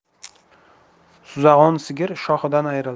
suzag'on sigir shoxidan ayrilar